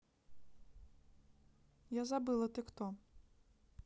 я забыла ты кто